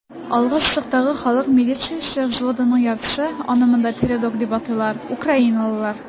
Алгы сызыктагы халык милициясе взводының яртысы (аны монда "передок" дип атыйлар) - украиналылар.